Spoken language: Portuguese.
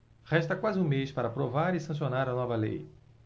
resta quase um mês para aprovar e sancionar a nova lei